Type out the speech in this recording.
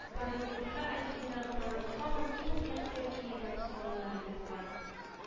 Бары тик урта азиядә генә аны һаман иң кәттә киемнән саныйлар иде бугай